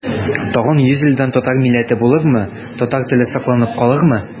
Тагын йөз елдан татар милләте булырмы, татар теле сакланып калырмы?